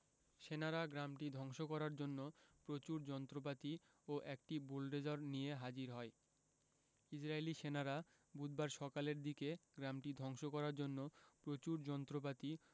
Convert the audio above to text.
সেনারা গ্রামটি ধ্বংস করার জন্য প্রচুর যন্ত্রপাতি ও একটি বুলোডোজার নিয়ে হাজির হয় ইসরাইলী সেনারা বুধবার সকালের দিকে গ্রামটি ধ্বংস করার জন্য প্রচুর যন্ত্রপাতি